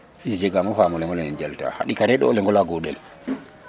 i jegaam o faam o leŋ o lene im jalta ɗik a re'u o leŋ o la guuɗel